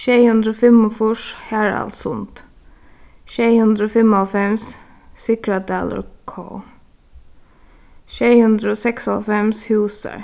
sjey hundrað og fimmogfýrs haraldssund sjey hundrað og fimmoghálvfems syðradalur k sjey hundrað og seksoghálvfems húsar